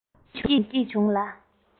སྐྱིད བྱུང སྐྱིད བྱུང ལ